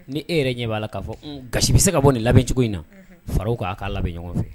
Ni e yɛrɛ ɲɛ b'a k'a fɔ ga bɛ se ka bɔ nin labɛn cogo in na faraw k'a kaa labɛn ɲɔgɔn fɛ